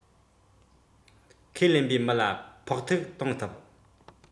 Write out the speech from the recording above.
ཁས ལེན པའི མི ལ ཕོག ཐུག གཏོང ཐུབ